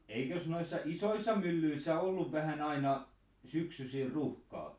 eikös noissa isoissa myllyissä ollut vähän aina syksyisin ruuhkaa